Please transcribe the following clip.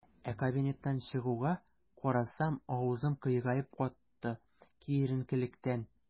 Ә кабинеттан чыгуга, карасам - авызым кыегаеп катты, киеренкелектән.